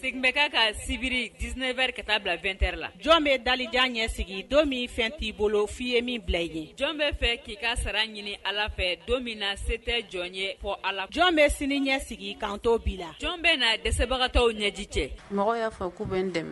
segin bɛ ka ka sibiri disinɛ wɛrɛ ka taa bila2ɛ la jɔn bɛ dalijan ɲɛ sigi don min fɛn t'i bolo f'i ye min bila i ye jɔn bɛ fɛ k'i ka sara ɲini ala fɛ don min na se tɛ jɔn ye fɔ a la jɔn bɛ sini ɲɛsigi sigi kan' la jɔn bɛ na dɛsɛbagatɔw ɲɛji cɛ mɔgɔ y'a bɛ dɛmɛ